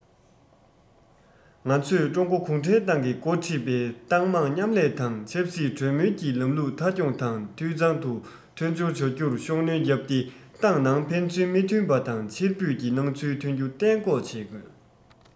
ང ཚོས ཀྲུང གོ གུང ཁྲན ཏང གིས འགོ ཁྲིད པའི ཏང མང མཉམ ལས དང ཆབ སྲིད གྲོས མོལ གྱི ལམ ལུགས མཐའ འཁྱོངས དང འཐུས ཚང དུ མཐུན སྦྱོར བྱ རྒྱུར ཤུགས སྣོན བརྒྱབ སྟེ ཏང ནང ཕན ཚུན མི མཐུན པ དང ཕྱིར འབུད ཀྱི སྣང ཚུལ ཐོན རྒྱུ གཏན འགོག བྱེད དགོས